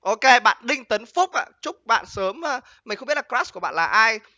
ô kê bạn đinh tấn phúc ạ chúc bạn sớm a mình không biết là cờ rát của bạn là ai